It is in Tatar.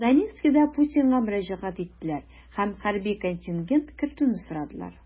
Донецкида Путинга мөрәҗәгать иттеләр һәм хәрби контингент кертүне сорадылар.